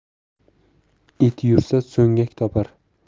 it yursa so'ngak topar